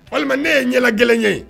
Walima ne ye ɲɛ gɛlɛn ɲɛ ye